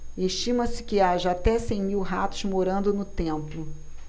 estima-se que haja até cem mil ratos morando no templo